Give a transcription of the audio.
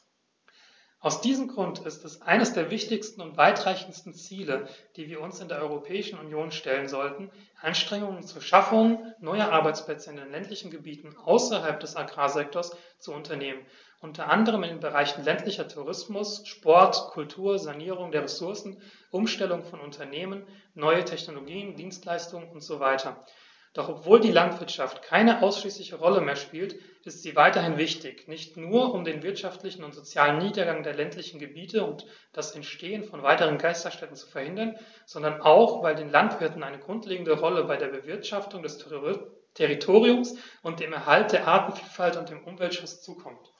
Aus diesem Grund ist es eines der wichtigsten und weitreichendsten Ziele, die wir uns in der Europäischen Union stellen sollten, Anstrengungen zur Schaffung neuer Arbeitsplätze in den ländlichen Gebieten außerhalb des Agrarsektors zu unternehmen, unter anderem in den Bereichen ländlicher Tourismus, Sport, Kultur, Sanierung der Ressourcen, Umstellung von Unternehmen, neue Technologien, Dienstleistungen usw. Doch obwohl die Landwirtschaft keine ausschließliche Rolle mehr spielt, ist sie weiterhin wichtig, nicht nur, um den wirtschaftlichen und sozialen Niedergang der ländlichen Gebiete und das Entstehen von weiteren Geisterstädten zu verhindern, sondern auch, weil den Landwirten eine grundlegende Rolle bei der Bewirtschaftung des Territoriums, dem Erhalt der Artenvielfalt und dem Umweltschutz zukommt.